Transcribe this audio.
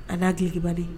A'a tiletigiba de